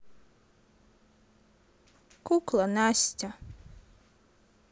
кукла настя